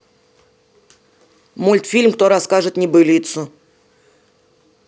мультфильм кто расскажет небылицу